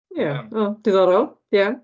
Ia wel, ddiddorol ia.